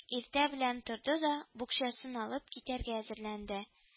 Иртә белән торды да букчасын алып китәргә әзерләнде